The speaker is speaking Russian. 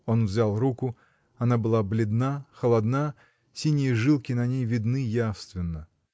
Он взял руку — она была бледна, холодна, синие жилки на ней видны явственно.